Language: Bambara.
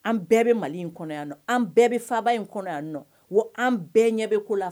An bɛɛ bɛ Mali in kɔnɔ yan nɔ an bɛɛ bɛ faaba in kɔnɔ yan nɔ wa an bɛɛ ɲɛ bɛ ko la f